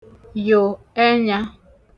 yo ẹnyā